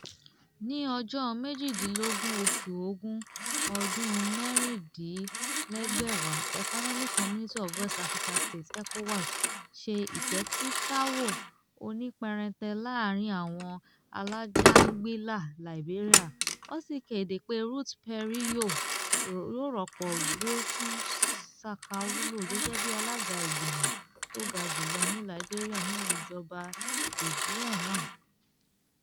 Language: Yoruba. Ní ọjọ́ 18, oṣù Ògún, ọdún 1996, Economic Community of West African States (ECOWAS) ṣe ìpẹ̀tùsáwọ̀ onípérénte láàárìn àwọn alájàngbilà Liberia, wọ́n sì kéde pé Ruth Perry yóò rọ́pò Wilton Sankawulo gẹ́gẹ́ bi alága Ìgbìmọ̀ tó ga jùlọ ní Liberia nínú ìjọba fìdíẹẹ́ náà.